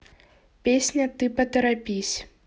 песня ты поторопись